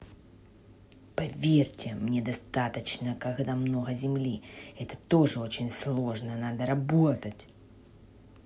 поверьте мне достаточно когда много земли это тоже очень сложно надо работать